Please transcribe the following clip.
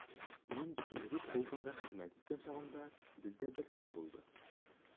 Мин Темрюк полкында хезмәт иткән чагымда, бездә бер хәл булды.